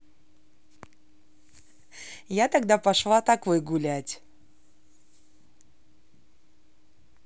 я тогда пошла такой гулять